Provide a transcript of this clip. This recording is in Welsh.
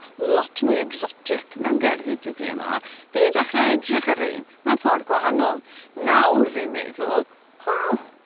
lot mwy egsotic mewn gerddi dyddie 'ma fi 'di dechre edrych ar rein mewn ffordd gwahanol. Nawr fi'n meddwl o